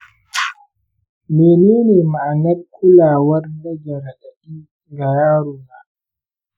menene ma’anar kulawar rage radadi ga yarona?